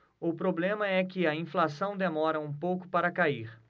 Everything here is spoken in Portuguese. o problema é que a inflação demora um pouco para cair